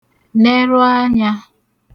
nẹru anyā